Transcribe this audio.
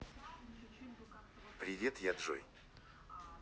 привет я джой